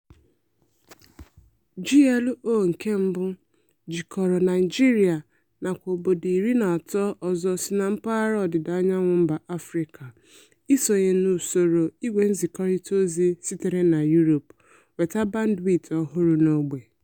GLO-1 Jikọrọ Naijịrịa nakwa obodo iri na atọ (13) ọzọ si na mpaghara Ọdịda anyanwụ mba Afrịka isonye n'usoro igwenzirikọta ozi sitere na Yuropu weta bandwit ọhụrụ n'ogbe.